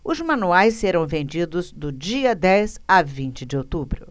os manuais serão vendidos do dia dez a vinte de outubro